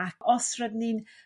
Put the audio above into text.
ac os rydyn ni'n